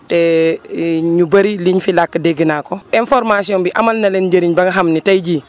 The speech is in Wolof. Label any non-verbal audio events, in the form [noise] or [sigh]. [hesitation] ñu bëri liñu fi làkk dégg naa ko information bi amal na leen njëriñ ba nga xam ne tey jii